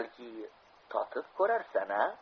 balki totib ko'rarsana